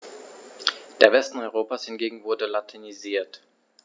Der Westen Europas hingegen wurde latinisiert.